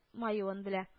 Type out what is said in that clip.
Аюын белә